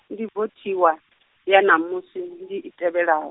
ndivhotiwa, ya ṋamusi, ndi i tevhelaho.